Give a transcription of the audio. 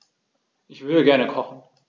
Ich würde gerne kochen.